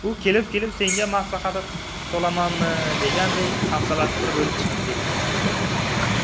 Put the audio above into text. u kelib kelib senga maslahat solamanmi degandek hafsalasi pir bo'lib chiqib ketdi